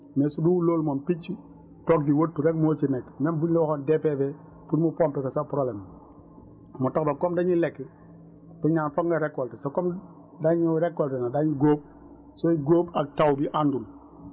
mais su dul loolu moom picc toog di wattu rekk moo ci nekk même buñ la waxoon DPV pour mu pomper ko sax problème la moo tax nag comme dañuy lekk dañ naan foog nga récolter te comme dañu récolté nag daañu góob sooy góob ak taw bi àndul